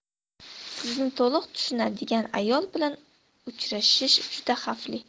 sizni to'liq tushunadigan ayol bilan uchrashish juda xavfli